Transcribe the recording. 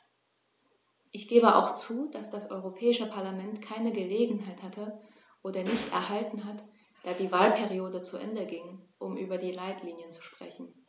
Ich gebe auch zu, dass das Europäische Parlament keine Gelegenheit hatte - oder nicht erhalten hat, da die Wahlperiode zu Ende ging -, um über die Leitlinien zu sprechen.